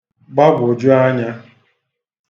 gbagwòju anyā